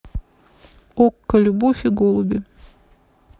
окко любовь и голуби